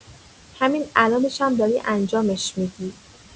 همین الانشم داری انجامش می‌دی.